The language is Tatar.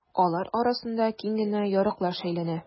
Алар арасында киң генә ярыклар шәйләнә.